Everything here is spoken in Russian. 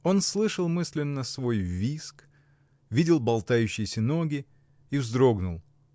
Он слышал мысленно свой визг, видел болтающиеся ноги и вздрогнул.